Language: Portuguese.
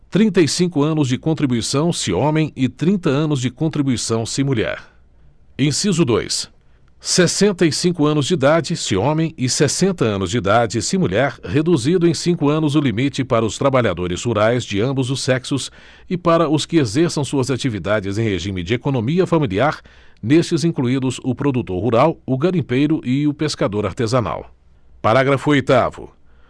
trinta e cinco anos de contribuição se homem e trinta anos de contribuição se mulher inciso dois sessenta e cinco anos de idade se homem e sessenta anos de idade se mulher reduzido em cinco anos o limite para os trabalhadores rurais de ambos os sexos e para os que exerçam suas atividades em regime de economia familiar nestes incluídos o produtor rural o garimpeiro e o pescador artesanal parágrafo oitavo